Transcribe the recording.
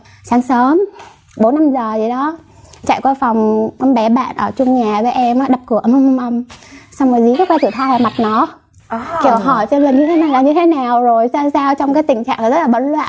sáng sớm bốn năm giờ gì đó chạy qua phòng con bé bạn ở chung nhà với em á đập cửa ầm ầm ầm ầm xong rồi gí cái que thử thai vào mặt nó kiểu hỏi xem như thế này là như thế nào rồi sao sao trong cái tình trạng rất là bấn loạn